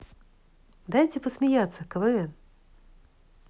дайте посмеяться квн